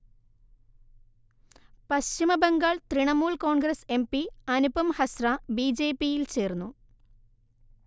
Paschim Bangal Trinamool Congress MP Anupam Hazra ബിജെപിയിൽ ചേർന്നു